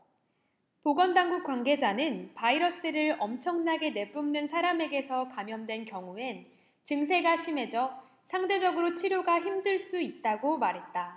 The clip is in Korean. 보건당국 관계자는 바이러스를 엄청나게 내뿜는 사람에게서 감염된 경우엔 증세가 심해져 상대적으로 치료가 힘들 수 있다고 말했다